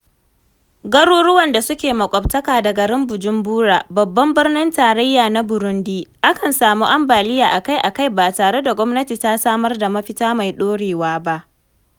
Garuruwan da suke makwabtaka da garin Bujumbura, babban birinin tarayya na Burundi, akan samu ambaliya a-kai-a-kai ba tare da gwamnati ta samar da mafita mai ɗorewa ba.